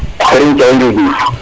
Serigne Thiaw a Ndioundiouf